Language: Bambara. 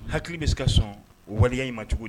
Hakili bɛ se ka sɔn waleya in man cogo di?